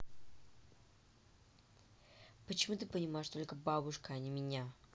почему ты понимаешь только бабушка а не меня